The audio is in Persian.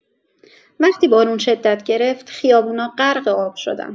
وقتی بارون شدت گرفت، خیابونا غرقه آب شدن.